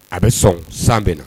A bɛ sɔn san bɛ na